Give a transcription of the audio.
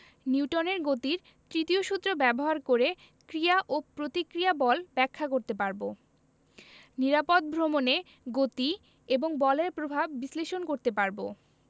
নিউটনের গতির তৃতীয় সূত্র ব্যবহার করে ক্রিয়া ও প্রতিক্রিয়া বল ব্যাখ্যা করতে পারব নিরাপদ ভ্রমণে গতি এবং বলের প্রভাব বিশ্লেষণ করতে পারব